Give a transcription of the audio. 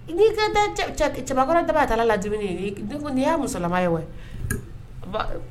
N ko i ka taa cɛ cɛbakɔrɔ taara ka taa ladumini yen, Bintu nin y'a musola ye wa